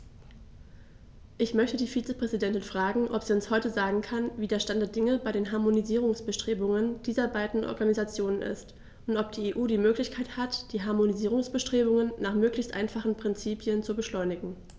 Ich möchte die Vizepräsidentin fragen, ob sie uns heute sagen kann, wie der Stand der Dinge bei den Harmonisierungsbestrebungen dieser beiden Organisationen ist, und ob die EU die Möglichkeit hat, die Harmonisierungsbestrebungen nach möglichst einfachen Prinzipien zu beschleunigen.